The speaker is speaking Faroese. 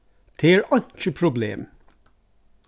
tað er einki problem